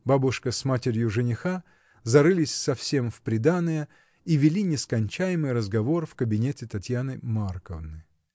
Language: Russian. Бабушка с матерью жениха зарылись совсем в приданое и вели нескончаемый разговор в кабинете Татьяны Марковны.